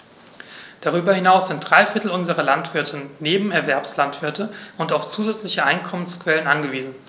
Darüber hinaus sind drei Viertel unserer Landwirte Nebenerwerbslandwirte und auf zusätzliche Einkommensquellen angewiesen.